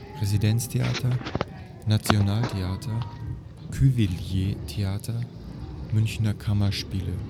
Residenztheater Nationaltheater Cuvilliés-Theater Münchner Kammerspiele